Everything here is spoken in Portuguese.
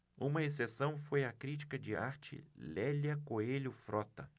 uma exceção foi a crítica de arte lélia coelho frota